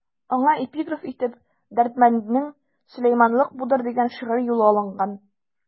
Аңа эпиграф итеп Дәрдмәнднең «Сөләйманлык будыр» дигән шигъри юлы алынган.